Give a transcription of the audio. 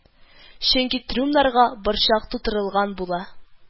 Чөнки трюмнарга борчак тутырылган була